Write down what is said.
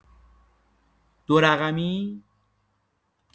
دو رقمی؟